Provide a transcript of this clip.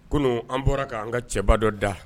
Kunun an bɔra k'an ka cɛbaba dɔ da